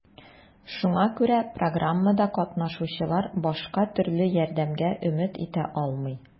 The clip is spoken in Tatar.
Шуңа күрә программада катнашучылар башка төрле ярдәмгә өмет итә алмый.